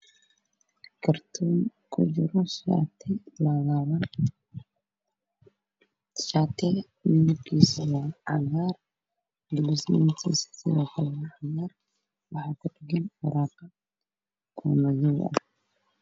waa shaati cagaar ah oo ku jiro kartoon cadaan ah